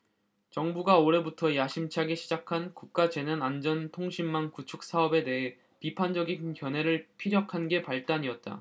정부가 올해부터 야심차게 시작한 국가재난안전통신망 구축사업에 대해 비판적인 견해를 피력한 게 발단이었다